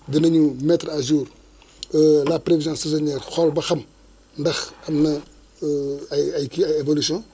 danañu mettre à jour la prévision saisonière xool ba xam ndax am na ay ay kii ay évolutions